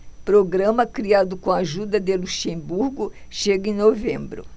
programa criado com a ajuda de luxemburgo chega em novembro